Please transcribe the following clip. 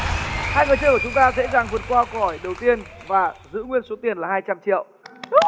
hai người chơi của chúng ta dễ dàng vượt qua câu hỏi đầu tiên và giữ nguyên số tiền là hai trăm triệu